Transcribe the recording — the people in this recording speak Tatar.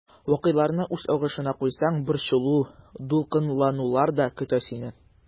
Вакыйгаларны үз агышына куйсаң, борчылу-дулкынланулар да көтә сине.